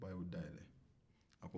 ba ye da yɛlɛn